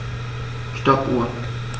Stoppuhr.